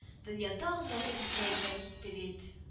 – дөнья тагын да иркенәебрәк китте бит